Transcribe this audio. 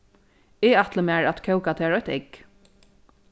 eg ætli mær at kóka tær eitt egg